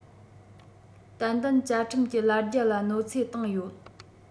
ཏན ཏན བཅའ ཁྲིམས ཀྱི ལ རྒྱ ལ གནོད འཚེ བཏང ཡོད